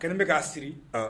Kɛlen bɛ k'a siri, an